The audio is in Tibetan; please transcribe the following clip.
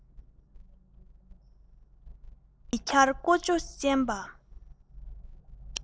མི འཁྱར ཀུ ཅོ གཟན པ